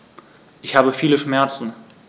Ich habe viele Schmerzen.